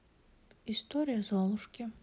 история золушки